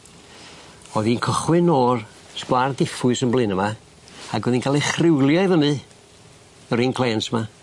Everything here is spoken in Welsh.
O'dd i'n cychwyn o'r sgwâr diffwys yn Blaena 'ma ag o'dd 'i'n ca'l ei chriwlio i fyny yr inclêns 'ma.